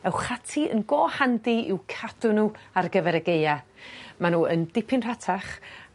ewch ati yn go handi i'w cadw n'w ar gyfer y Gaea. Ma' n'w yn dipyn rhatach